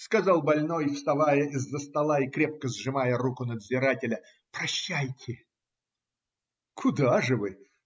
сказал больной, вставая из-за стола и крепко сжимая руку надзирателя. - Прощайте. - Куда же вы?